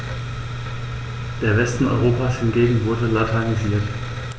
Der Westen Europas hingegen wurde latinisiert.